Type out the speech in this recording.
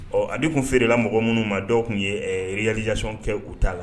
Ɔ ale de tun feerela mɔgɔ minnu ma dɔw tun ye yalijasiɔn kɛ u t'a la